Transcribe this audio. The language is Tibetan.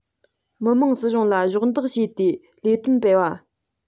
མི དམངས སྲིད གཞུང ལ གཞོགས འདེགས བྱས ཏེ ལས དོན སྤེལ བ